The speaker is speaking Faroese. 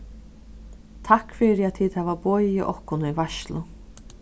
takk fyri at tit hava boðið okkum í veitslu